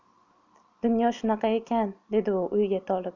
dunyo shunaqa ekan dedi u o'yga tolib